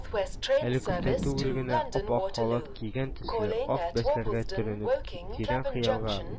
Әле күптән түгел генә ап-ак халат кигән төсле ак бәсләргә төренеп, тирән хыялга